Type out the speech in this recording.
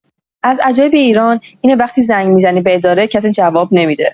از عجایب ایران اینه وقتی زنگ می‌زنی به اداره کسی جواب نمی‌ده!